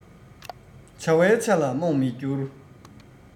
བྱ བའི ཆ ལ རྨོངས མི འགྱུར